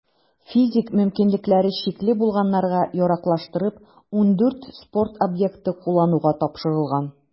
Физик мөмкинлекләре чикле булганнарга яраклаштырып, 14 спорт объекты куллануга тапшырылган.